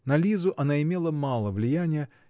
На Лизу она имела мало влияния